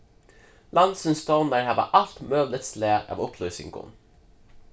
landsins stovnar hava alt møguligt slag av upplýsingum